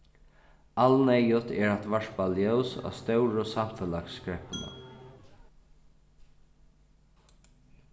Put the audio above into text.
alneyðugt er at varpa ljós á stóru samfelagskreppuna